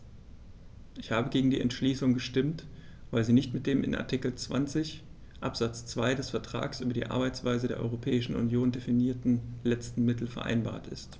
Ich habe gegen die Entschließung gestimmt, weil sie nicht mit dem in Artikel 20 Absatz 2 des Vertrags über die Arbeitsweise der Europäischen Union definierten letzten Mittel vereinbar ist.